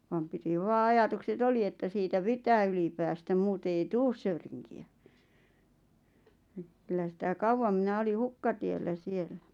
vaan piti vain ajatukset olla että siitä pitää yli päästä muuten ei tule Söyrinkiä kyllä sitä kauan minä oli hukkatiellä siellä